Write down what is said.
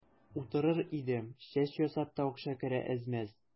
Утырыр идем, чәч ясап та акча керә әз-мәз.